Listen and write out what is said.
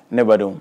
Ne badon